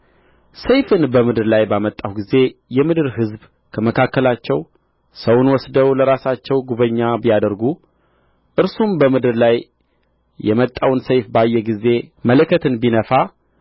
ሰይፍን በምድር ላይ ባመጣሁ ጊዜ የምድር ሕዝብ ከመካከላቸው ሰውን ወስደው ለራሳቸው ጕበኛ ቢያደርጉ እርሱም በምድር ላይ የመጣውን ሰይፍ ባየ ጊዜ መለከትን ቢነፋ